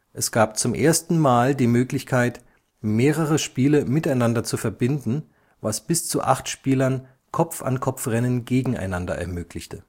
Es gab zum ersten Mal die Möglichkeit, mehrere Spiele miteinander zu verbinden, was bis zu acht Spielern Kopf-an-Kopf-Rennen gegeneinander ermöglichte